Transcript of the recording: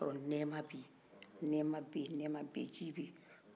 nɛma bɛye nɛma bɛye ji bɛ ye